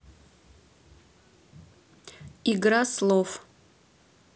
игра слов